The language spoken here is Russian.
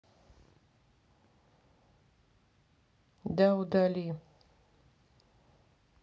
да удали